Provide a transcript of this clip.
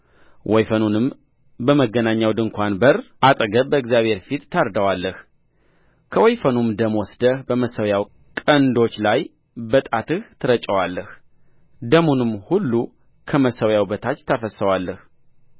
ወይፈኑንም በመገናኛው ድንኳን በር አጠገብ በእግዚአብሔር ፊት ታርደዋለህ ከወይፈኑም ደም ወስደህ በመሠዊያው ቀንዶች ላይ በጣትህ ትረጨዋለህ ደሙንም ሁሉ ከመሠዊያው በታች ታፈስሰዋለህ